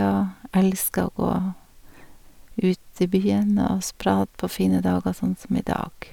Og elsker å gå ut i byen og sprade på fine dager sånn som i dag.